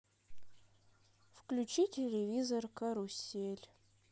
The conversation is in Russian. включи телевизор карусель